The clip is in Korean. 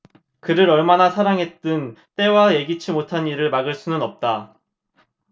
그를 얼마나 사랑했든 때와 예기치 못한 일을 막을 수는 없다